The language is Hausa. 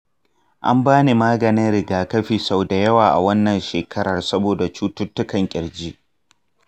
an bani maganin rigakafi sau da yawa a wannan shekarar saboda cututtukan ƙirji.